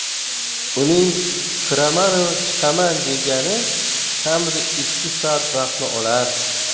uning kiramanu chiqaman degani kamida ikki soat vaqtni olar